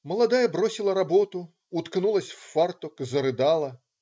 " Молодая бросила работу, уткнулась в фартук, зарыдала.